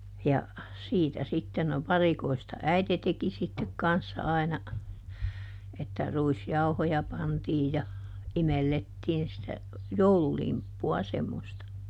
ja siitä sitten no varikoista äiti teki sitten kanssa aina että ruisjauhoja pantiin ja imellettiin sitä joululimppua semmoista